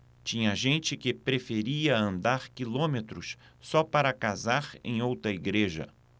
tinha gente que preferia andar quilômetros só para casar em outra igreja